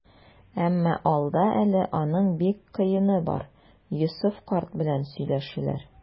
Әмма алда әле аның бик кыены бар - Йосыф карт белән сөйләшүләр.